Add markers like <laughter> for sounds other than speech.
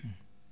<hesitation> <hesitation>